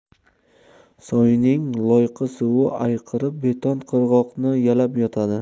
soyning loyqa suvi ayqirib beton qirg'oqni yalab o'tadi